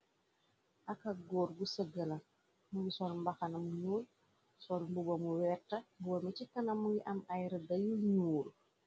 Aka góor bu sëgga la mogi sol mbaxana mu ñuur sol mbuba bu werta mbuba ci kanam mogi am ay rëda yu ñuul.